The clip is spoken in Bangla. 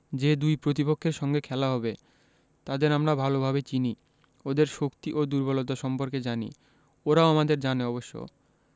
যে দুই প্রতিপক্ষের সঙ্গে খেলা হবে তাদের আমরা ভালোভাবে চিনি ওদের শক্তি ও দুর্বলতা সম্পর্কে জানি ওরাও আমাদের জানে অবশ্য